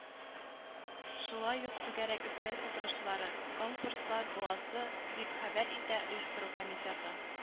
Шулай ук түгәрәк өстәл утырышлары, конкурслар буласы, дип хәбәр итә оештыру комитеты.